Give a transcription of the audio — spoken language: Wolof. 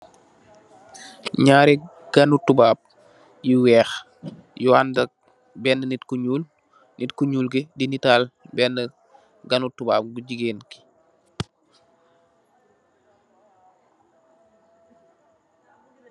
Ñaari ganni tubab yu wèèx , yu anda ak benna nit ku ñuul, nit ku ñuul ki dinital benna ganu tubab bu gigeen bi.